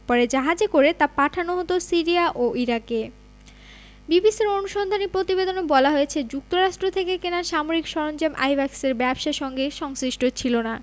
পরে জাহাজে করে তা পাঠানো হতো সিরিয়া ও ইরাকে বিবিসির অনুসন্ধানী প্রতিবেদনে বলা হয়েছে যুক্তরাষ্ট্র থেকে কেনা সামরিক সরঞ্জাম আইব্যাকসের ব্যবসার সঙ্গে সংশ্লিষ্ট ছিল না